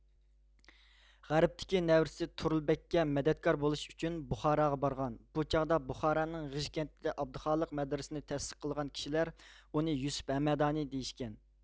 غەربتىكى نەۋرىسى تۇرۇلبەگكە مەدەتكار بولۇش ئۈچۈن بۇخاراغا بارغان بۇ چاغدا بۇخارانىڭ غىژ كەنتىدە ئابدۇخالىق مەدرىسىنى تەسىس قىلغان كىشىلەر ئۇنى يۈسۈپ ھەمەدانى دېيىشكەن